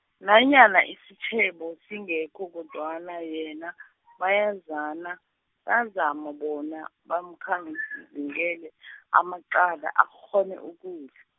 nanyana isitjhebo singekho kodwana yena, bayazana, bayazama bona, bamkhanzingele amaqanda, akghone ukudla.